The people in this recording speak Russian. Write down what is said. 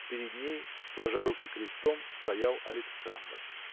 перед ней, сложа руки крестом, стоял Александр.